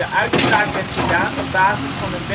uitspraak werd gedaan op basis van een